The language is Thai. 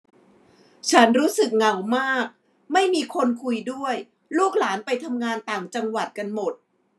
ฉันรู้สึกเหงามากไม่มีคนคุยด้วยลูกหลานไปทำงานต่างจังหวัดกันหมด